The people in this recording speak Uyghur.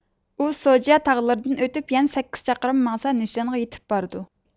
ئۇ سوجيا تاغلىرىدىن ئۆتۈپ يەنە سەككىز چاقىرىم ماڭسا نىشانغا يېتىپ بارىدۇ